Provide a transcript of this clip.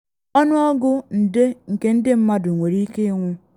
Ọnụọgụ nde nke ndị mmadụ nwere ike ịnwụ.